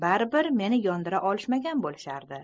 baribir meni yondira olishmagan bolardi